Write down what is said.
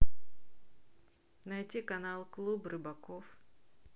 найти канал клуб рыбаков